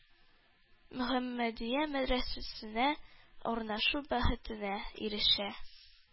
-мөхәммәдия, мәдрәсәсенә урнашу бәхетенә ирешә.